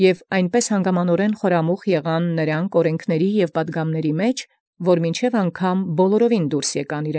Եւ այնպէս միջամուխ եղեալ հանգամանաւք աւրինապատգամացն, մինչև բնաւ արտաքոյ իւրեանց բնականութեանն զերծանել։